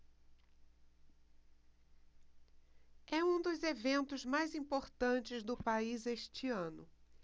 é um dos eventos mais importantes do país este ano